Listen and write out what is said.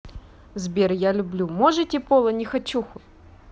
сбер я люблю можете пола нехочуху